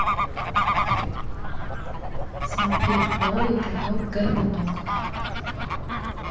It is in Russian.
смотреть новый конек горбунок